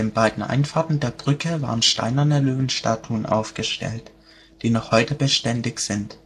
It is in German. beiden Einfahrten der Brücke waren steinerne Löwenstatuen aufgestellt, die noch heute beständig sind